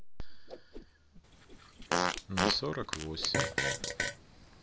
но сорок восемь